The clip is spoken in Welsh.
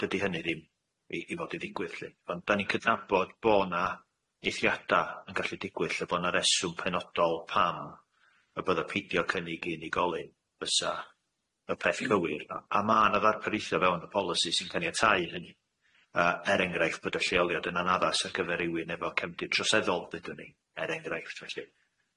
D- dydi hynny ddim i i fod i ddigwydd lly ond dan ni'n cydnabod bo' na eithriada yn gallu digwydd lle bo' na reswm penodol pam y bydda peidio cynnig i unigolyn fysa y peth cywir a ma' na ddarparithio fewn y polisi sy'n caniatáu hynny yy er enghraifft bod y lleoliad yn anaddas ar gyfer rywun efo cefndir troseddol ddeudwn ni er enghraifft felly.